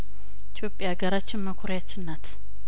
ኢትዮጵያ ሀገራችን መኩሪያችን ናት